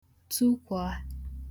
tukwa